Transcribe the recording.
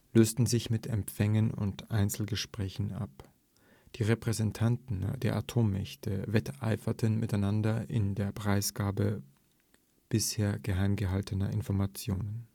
lösten sich mit Empfängen und Einzelgesprächen ab. Die Repräsentanten der Atommächte wetteiferten miteinander in der Preisgabe bisher geheimgehaltener Informationen